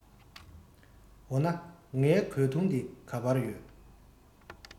འོ ན ངའི གོས ཐུང དེ ག པར ཡོད